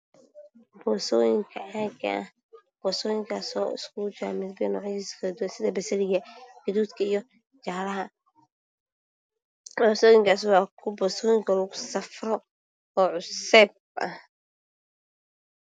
Waa boorsooyinka caaga ah oo nuucyo badan ah sida basaliga iyo jaalaha waa boorsooyinka lugu safro oo cusub.